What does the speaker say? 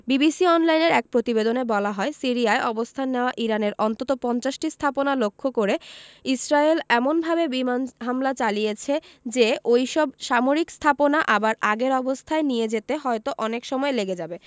BBC অনলাইনের এক প্রতিবেদনে বলা হয় সিরিয়ায় অবস্থান নেওয়া ইরানের অন্তত ৫০টি স্থাপনা লক্ষ্য করে ইসরায়েল এমনভাবে বিমান হামলা চালিয়েছে যে ওই সব সামরিক স্থাপনা আবার আগের অবস্থায় নিয়ে যেতে হয়তো অনেক সময় লেগে যাবে